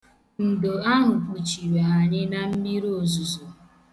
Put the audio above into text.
Ndo ahụ kpuchiri anyị na mmiri ozuzo.